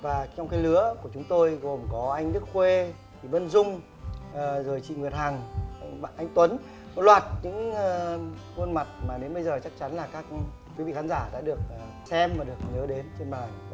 và trong cái lứa của chúng tôi gồm có anh đức khuê vân dung ờ rồi chị nguyệt hằng anh tuấn một loạt những ờ khuôn mặt mà đến bây giờ chắc chắn là các quý vị khán giả đã được xem và được nhớ đến trên màn ảnh